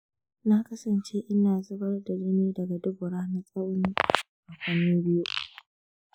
na kasance ina zubar da jini daga dubura na tsawon makonni biyu.